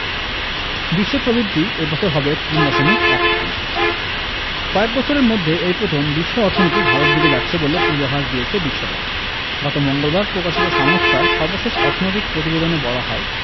বিশ্ব প্রবৃদ্ধি এ বছর হবে ৩.১ শতাংশ কয়েক বছরের মধ্যে এই প্রথম বিশ্ব অর্থনীতি ভালোর দিকে যাচ্ছে বলে পূর্বাভাস দিয়েছে বিশ্বব্যাংক গত মঙ্গলবার প্রকাশিত সংস্থার সর্বশেষ অর্থনৈতিক প্রতিবেদনে বলা হয়